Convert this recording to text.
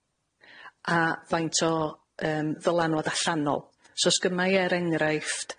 a faint o yym ddylanwad allanol. So os gyma i er enghraifft